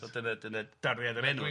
So dyna dyna darddiad yr enw 'de.